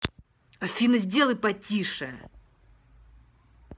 афина сделай потише